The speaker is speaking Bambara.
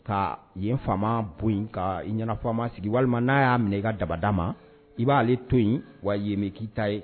Ka ye fa bon in ka i ɲɛna fɔ ma sigi walima n'a y'a minɛ i ka dabada ma i b'aale to in wa yen mɛ k'i ta ye